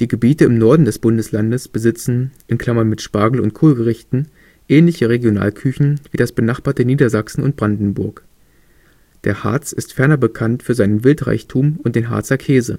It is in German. Die Gebiete im Norden des Bundeslandes besitzen (mit Spargel - und Kohlgerichten) ähnliche Regionalküchen wie das benachbarte Niedersachsen und Brandenburg. Der Harz ist ferner bekannt für seinen Wildreichtum und den Harzer Käse